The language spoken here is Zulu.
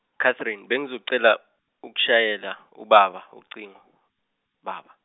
Catherine, bengizocela, ukushayela ubaba ucingo, baba.